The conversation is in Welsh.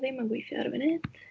Ddim yn gweithio ar y funud.